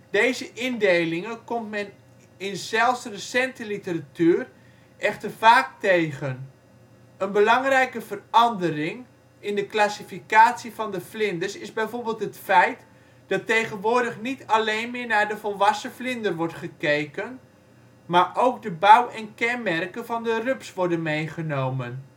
Deze indelingen komt men in zelfs recente literatuur echter vaak tegen. Een belangrijke verandering in de classificatie van de vlinders is bijvoorbeeld het feit dat tegenwoordig niet alleen meer naar de volwassen vlinder wordt gekeken, maar ook de bouw en kenmerken van de rups worden meegenomen